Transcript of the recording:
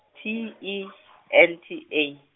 T E N T A.